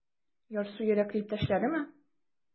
Ярсу йөрәкле иптәшләреме?